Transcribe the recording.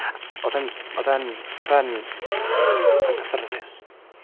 Oedd e'n oedd e'n oedd e'n anghyffyrddus